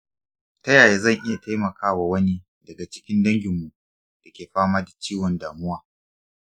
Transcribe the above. ta yaya zan iya taimaka wa wani daga cikin danginmu da ke fama da ciwon damuwa?